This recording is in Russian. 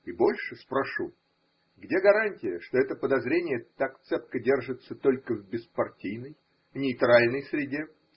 И больше: спрошу: где гарантия, что это подозрение так цепко держится только в беспартийной. нейтральной среде?